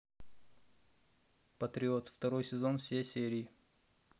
патриот второй сезон все серии